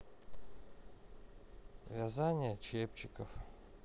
вязание чепчиков